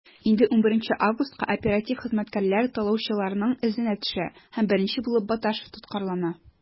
Инде 11 августка оператив хезмәткәрләр талаучыларның эзенә төшә һәм беренче булып Баташев тоткарлана.